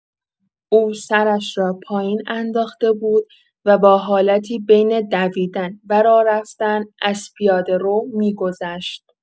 او سرش را پایین انداخته بود و با حالتی بین دویدن و راه‌رفتن از پیاده‌رو می‌گذشت.